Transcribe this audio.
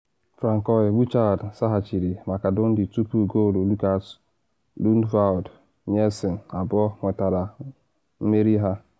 Francois Bouchard saghachiri maka Dundee tupu goolu Lukas Lundvald Nielsen abụọ nwetara mmeri ha.